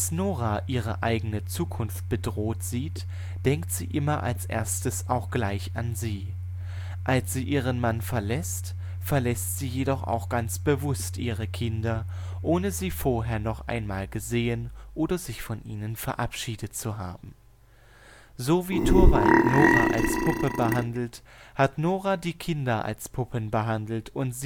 Nora ihre eigene Zukunft bedroht sieht, denkt sie immer als erstes auch gleich an sie. Als sie ihren Mann verlässt, verlässt sie jedoch auch ganz bewusst ihre Kinder, ohne sie vorher noch einmal gesehen oder sich von ihnen verabschiedet zu haben. So wie Torvald Nora als Puppe behandelt hat, hat Nora die Kinder als Puppen behandelt und